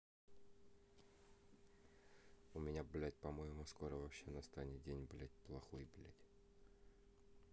у меня блядь по моему скоро вообще настанет день блять плохой блядь